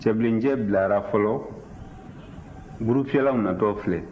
cɛbilencɛ bilara fɔlɔ burufyɛlaw natɔ filɛ